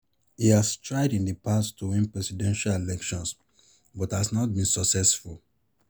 He has tried in the past to win presidential elections but has not been successful.